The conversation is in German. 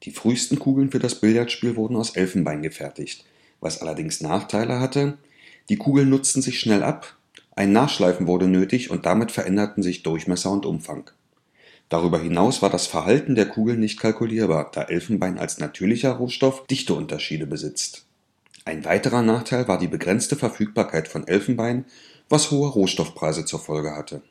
frühesten Kugeln für das Billardspiel wurden aus Elfenbein gefertigt, was allerdings Nachteile hatte. Die Kugeln nutzten sich schnell ab, ein Nachschleifen wurde nötig und damit veränderten sich Durchmesser und Umfang. Darüber hinaus war das Verhalten der Kugeln nicht kalkulierbar, da Elfenbein als natürlicher Rohstoff Dichteunterschiede besitzt. Ein weiterer Nachteil war die begrenzte Verfügbarkeit von Elfenbein, was hohe Rohstoffpreise zur Folge hatte